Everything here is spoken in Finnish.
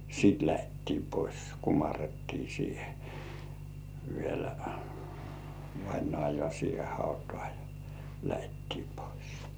sitten lähdettiin pois kumarrettiin siihen vielä vainajaa siihen hautaan jo lähdettiin pois